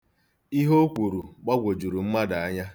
Ihe o kwuru gbagwojuru mmadụ anya.